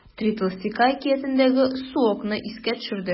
“три толстяка” әкиятендәге суокны искә төшерде.